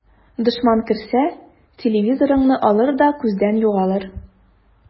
Дошман керсә, телевизорыңны алыр да күздән югалыр.